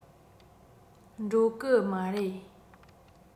འགྲོ གི མ རེད